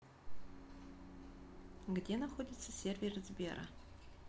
где находится сервер сбера